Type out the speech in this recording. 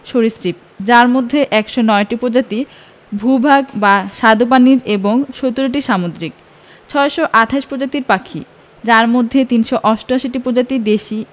সরীসৃপ যার মধ্যে ১০৯টি প্রজাতি ভূ ভাগ বা স্বাদুপানির এবং ১৭টি সামুদ্রিক ৬২৮ প্রজাতির পাখি যার মধ্যে ৩৮৮টি প্রজাতি দেশী